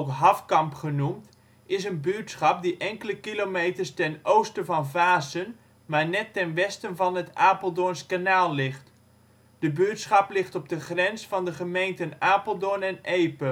Hafkamp genoemd, is een buurtschap die enkele kilometers ten oosten van Vaassen, maar net ten westen van het Apeldoorns kanaal ligt. De buurtschap ligt op de grens van de gemeenten Apeldoorn en Epe